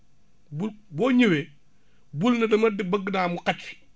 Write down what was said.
bul boo ñëwee bul ne dama de bëgg naa mu xaj fi